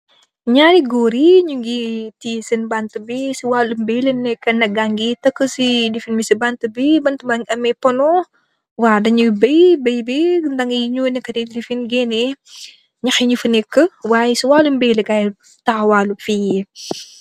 Njaari gorre yii njungy tiyeh sen bantue bii cii waaloum beiyy len neka, nak gahngy tek kor cii lifin bii cii bantue bii, bantue baangy ameh pohnoh waw deh njui beiy, beiy bii nak yii njur neka dii lifin gehneh njaah yufa nekue, yy cii waaloum beiy la gai takhaw waalou fii.